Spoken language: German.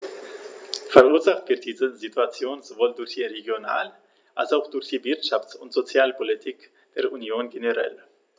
Verursacht wird diese Situation sowohl durch die Regional- als auch durch die Wirtschafts- und Sozialpolitik der Union generell.